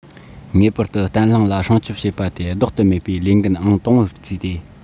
ངེས པར དུ བརྟན ལྷིང ལ སྲུང སྐྱོབ བྱེད པ དེ ལྡོག ཏུ མེད པའི ལས འགན ཨང དང པོར བརྩིས ཏེ